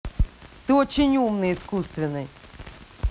ты очень умный искусственный